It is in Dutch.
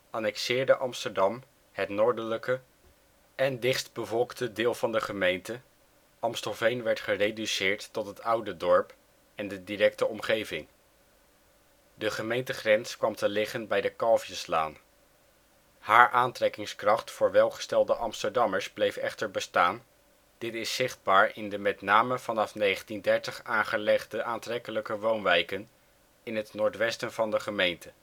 annexeerde Amsterdam het noordelijke (en dichtstbevolkte) deel van de gemeente; Amstelveen werd gereduceerd tot het oude dorp en de directe omgeving. De gemeentegrens kwam te liggen bij de Kalfjeslaan. Haar aantrekkingskracht voor welgestelde Amsterdammers bleef echter bestaan, dit is zichtbaar in de met name vanaf 1930 aangelegde aantrekkelijke woonwijken in het noordwesten van de gemeente